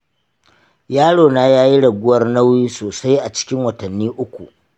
yaro na ya yi raguwar nauyi sosai cikin watanni uku.